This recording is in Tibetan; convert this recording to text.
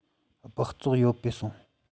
སྦགས བཙོག ཡོད པའི སོང